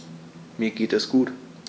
Mir geht es gut.